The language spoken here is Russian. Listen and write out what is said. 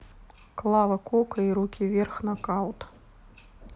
клава кока и руки вверх нокаут